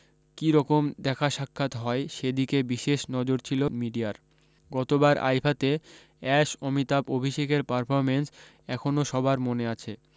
কী রকম দেখা সাক্ষাত হয় সে দিকে বিশেষ নজর ছিল মিডিয়ার গত বার আইফাতে অ্যাশ অমিতাভ অভিষেকের পারফরম্যান্স এখনও সবার মনে আছে